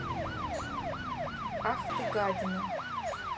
ах ты гадина